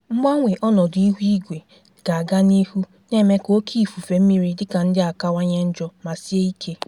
Mgbanwe ọnọdụ ihu igwe ga-aga n'ihu na-eme ka oke ifufe mmiri dịka ndị a kawanye njọ ma sie ike.